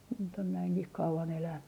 nyt on näinkin kauan elänyt